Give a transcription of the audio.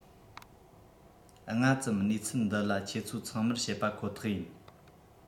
སྔ ཙམ གནས ཚུལ འདི ལ ཁྱེད ཚོ ཚང མར བཤད པ ཁོ ཐག ཡིན